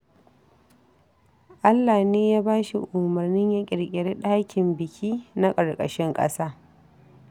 Allah ne ya ba shi umarnin ya ƙirƙiri ɗakin biki na ƙarƙashin ƙasa.